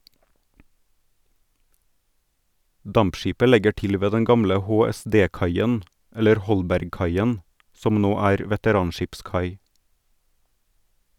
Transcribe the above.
Dampskipet legger til ved den gamle HSD-kaien - eller Holbergkaien - som nå er veteranskipskai.